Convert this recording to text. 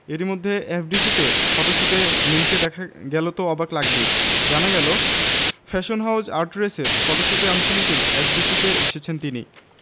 এরইমধ্যে এফডিসিতে ফটোশুটে মিমকে দেখা গেল তো অবাক লাগবেই জানা গেল ফ্যাশন হাউজ আর্টরেসের ফটশুটে অংশ নিতেই এফডিসিতে এসেছেন তিনি